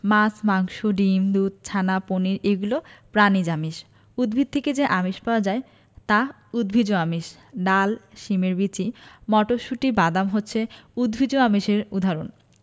মাছ মাংস ডিম দুধ ছানা পনির এগুলো প্রাণিজ আমিষ উদ্ভিদ থেকে যে আমিষ পাওয়া যায় তা উদ্ভিজ্জ আমিষ ডাল শিমের বিচি মটরশুঁটি বাদাম হচ্ছে উদ্ভিজ্জ আমিষের উদাহরণ